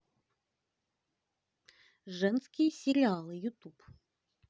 женские сериалы ютуб